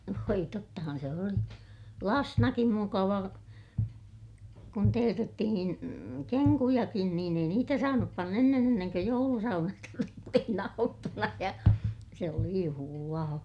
voi tottahan se oli lapsenakin mukava kun teetettiin kenkujakin niin ei niitä saanut panna ennen ennen kuin joulusaunasta tuli sitten aattona ja se oli juhlaa